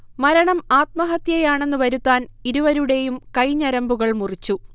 മരണം ആത്മഹത്യയാണെന്ന് വരുത്താൻ ഇരുവരുടെയും കൈഞരമ്പുകൾ മുറിച്ചു